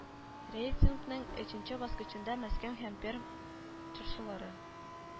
Рейтингның өченче баскычында Мәскәү һәм Пермь чыршылары